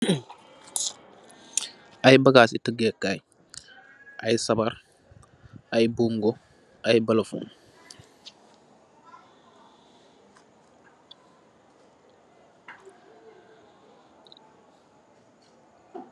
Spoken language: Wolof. Ay bagaasi tangèh Kai, ay sabarr, ay bongo, ay balafon.